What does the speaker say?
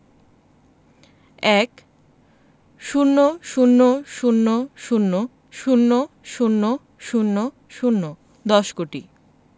১০০০০০০০০ দশ কোটি